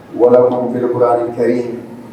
Walaeleko ni teri